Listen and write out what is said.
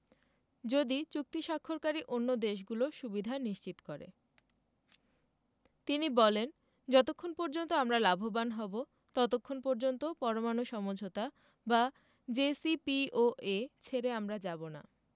যদি চুক্তি স্বাক্ষরকারী অন্য দেশগুলো সুবিধা নিশ্চিত করে তিনি বলেন যতক্ষণ পর্যন্ত আমরা লাভবান হব ততক্ষণ পর্যন্ত পরমাণু সমঝোতা বা জেসিপিওএ ছেড়ে আমরা যাব না